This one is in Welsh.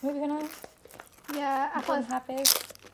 Be' 'di hwnna? Ie achos... bod yn hapus.